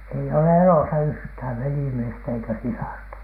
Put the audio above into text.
ei ole elossa yhtään velimiestä eikä sisarta